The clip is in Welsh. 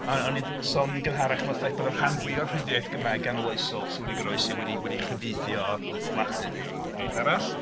O- oni'n sôn yn gynharach am y ffaith bod y rhan fwyaf o'r rhyddiaith Gymraeg ganoloesol sy wedi goroesi wedi... wedi ei chyfeithiu o'r Ladin neu ryw iaith arall.